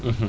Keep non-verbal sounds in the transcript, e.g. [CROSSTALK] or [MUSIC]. [HESITATION] [HESITATION]